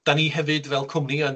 'Dan ni hefyd fel cwmni yn...